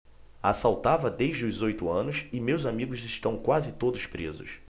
assaltava desde os oito anos e meus amigos estão quase todos presos